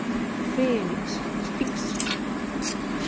феликс speaks